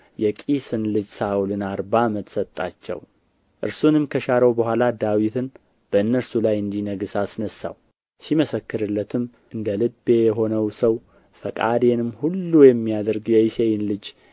የቂስን ልጅ ሳኦልን አርባ ዓመት ሰጣቸው እርሱንም ከሻረው በኋላ ዳዊትን በእነርሱ ላይ እንዲነግሥ አስነሣው ሲመሰክርለትም እንደ ልቤ የሆነ ሰው ፈቃዴንም ሁሉ የሚያደርግ የእሴይን ልጅ